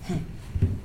H